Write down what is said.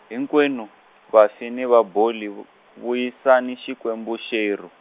hinkwenu, vafi ni vaboli vu-, vuyisani xikwembu xerhu.